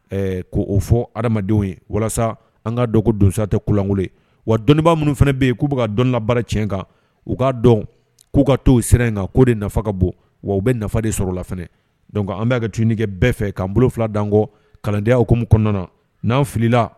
Ɛ k o fɔ ha adamadenw ye walasa an ka dɔgɔ donsosa tɛ kulankolon wa dɔnniibaa minnu fana bɛ yen k'u bɛ ka dɔnnila baara tiɲɛ kan u k'a dɔn k'u ka t siran in kan k'o de nafa bon wa u bɛ nafa de sɔrɔ la dɔnkuc an bɛ a ka tige bɛɛ fɛ k'an bolo fila dan kɔ kalandi ukumu kɔnɔna na n'an filila